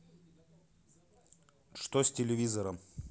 что такое с телевизором